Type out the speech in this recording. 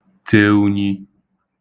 tē ūnyī